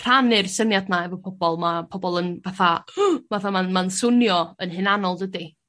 rhannu'r syniad 'ma efo pobol ma' pobol yn fatha fatha ma'n ma'n swnio yn hunanol dydi?